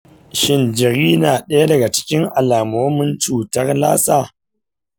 shin jiri na daga cikin alamomin zazzabin lassa?